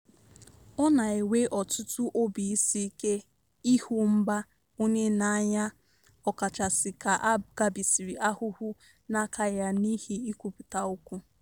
Ọ na-ewe ọtụtụ obi isiike ịhụ mba onye n'anya ọkachasị ka a gabigasịrị ahụhụ n'aka ya n'ihi ikwupụta okwu.